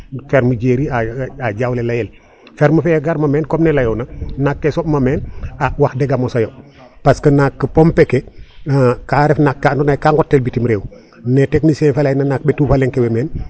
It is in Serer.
Ferme Djeri a Diawlé layel ferme fe ye garma men comme ne layoona naak ke soɓma meen a wax deg a mosa yo parce que naak pomper ke ka ref naak ka andoona yee ka nqotel bitim reew ne technicien fa layna naak ɓetu fa leŋ owey men.